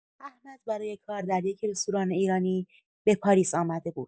احمد برای کار در یک رستوران ایرانی به پاریس آمده بود.